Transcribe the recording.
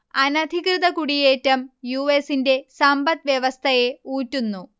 അനധികൃത കുടിയേറ്റം യു. എസിന്റെ സമ്പദ് വ്യവസ്ഥയെ ഊറ്റുന്നു